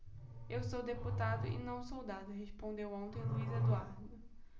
eu sou deputado e não soldado respondeu ontem luís eduardo